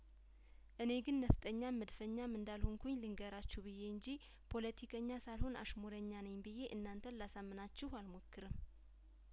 እኔ ግን ነፍጠኛም መድፈኛም እንዳልሆኩኝ ልንገራችሁ ብዬ እንጂ ፖለቲከኛ ሳል ሆን አሽሙረኛ ነኝ ብዬ እናንተን ላሳምናችሁ አልሞክርም